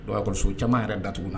Doca a lekɔliso caaman yɛrɛ datugun na.